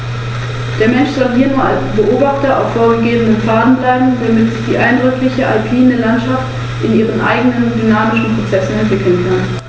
Länderübergreifende zoologische und botanische Artenschutzkonzepte dienen als Grundlage für die zukünftige Naturschutzarbeit, zur Information der Bevölkerung und für die konkrete Biotoppflege.